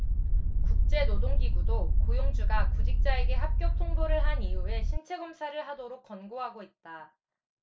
국제노동기구도 고용주가 구직자에게 합격 통보를 한 이후에 신체검사를 하도록 권고하고 있다